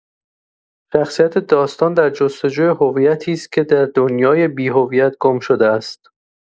شخصیت داستان در جستجوی هویتی است که در دنیای بی‌هویت گم شده است.